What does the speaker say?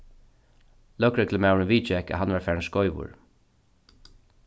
løgreglumaðurin viðgekk at hann var farin skeivur